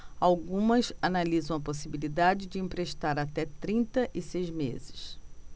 algumas analisam a possibilidade de emprestar até trinta e seis meses